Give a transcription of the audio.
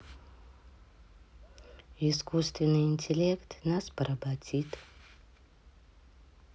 искусственный интеллект нас поработит